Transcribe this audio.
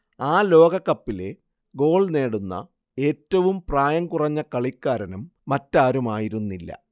ആ ലോകകപ്പിലെ ഗോൾ നേടുന്ന ഏറ്റവും പ്രായം കുറഞ്ഞ കളിക്കാരനും മറ്റാരുമായിരുന്നില്ല